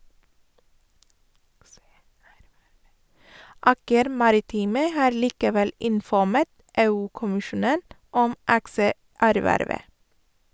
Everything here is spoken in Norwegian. Aker Maritime har likevel informert EU-kommisjonen om aksjeervervet.